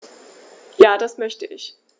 Ja, das möchte ich.